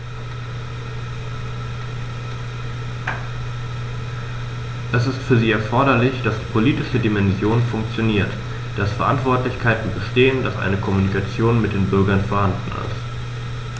Es ist für sie erforderlich, dass die politische Dimension funktioniert, dass Verantwortlichkeiten bestehen, dass eine Kommunikation mit den Bürgern vorhanden ist.